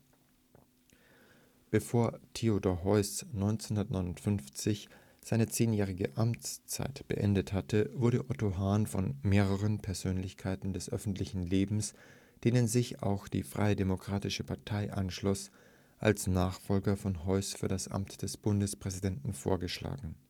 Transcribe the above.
Bevor Theodor Heuss 1959 seine zehnjährige Amtszeit beendet hatte, wurde Otto Hahn von mehreren Persönlichkeiten des öffentlichen Lebens, denen sich auch die Freie Demokratische Partei (FDP) anschloss, als Nachfolger von Heuss für das Amt des Bundespräsidenten vorgeschlagen